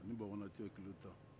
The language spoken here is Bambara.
a ni bankumana cɛ ye kilo tan